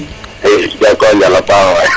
joko njala a paax waay